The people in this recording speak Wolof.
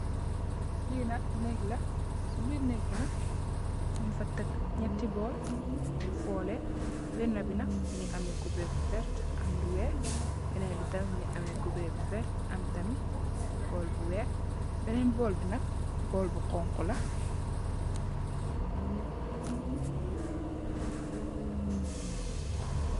Lii nak nehgg la, cii birr nehgg bii nak njung fa tek njehti borli fohleh, benah bii nak mungy ameh couberre bu vert, am lu wekh, benen bi tamit mungy ameh couberre bu vert, am tamit borl bu wekh, benen borl bii nak borl bu honku la.